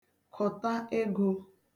kụ̀ta egō